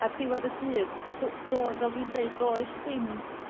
ar diwedd y dydd do- doe- fel dwi'n deud does ddim